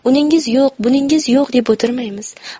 uningiz yo'q buningiz yo'q deb o'tirmaymiz